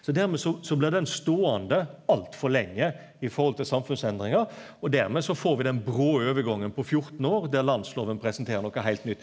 så dermed så så blir den ståande alt for lenge i forhold til samfunnsendringar og dermed så får vi den bråe overgangen på 14 år der landsloven presenterer noko heilt nytt.